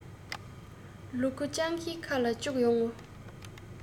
ལུ གུ སྤྱང ཀིའི ཁ ལ བཅུག ཡོང ངོ